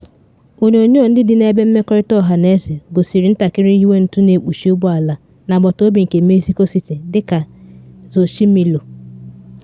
Onyonyo ndị dị n’ebe mmerịkọta ọhaneze gosiri ntakịrị nyiwe ntụ na ekpuchi ụgbọ ala n’agbataobi nke Mexico City dị ka Xochimilco.